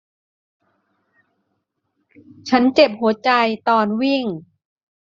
ฉันเจ็บหัวใจตอนวิ่ง